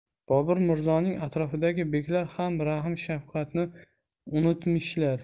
bobur mirzoning atrofidagi beklar ham rahm shafqatni unutmishlar